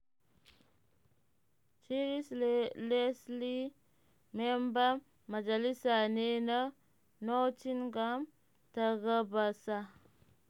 Chris Leslie mamban majalisa ne na Nottingham ta Gabasa